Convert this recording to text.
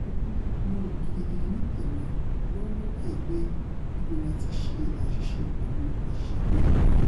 Ó sope ̣.'Mo rò gidigidi nítèmi, lọ́wọ́lọ́wọ́ báyìi pé - níbo ni a ti ṣe àṣ̀iṣe pẹ̵̀lú ìṣebí-ọkùnrin?’.